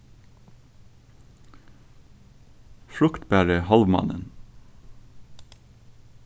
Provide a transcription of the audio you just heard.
fruktbari hálvmánin